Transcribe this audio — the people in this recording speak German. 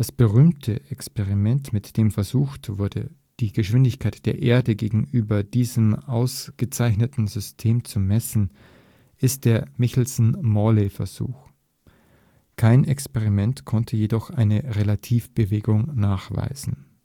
berühmteste Experiment, mit dem versucht wurde, die Geschwindigkeit der Erde gegenüber diesem ausgezeichneten System zu messen, ist der Michelson-Morley-Versuch. Kein Experiment konnte jedoch eine Relativbewegung nachweisen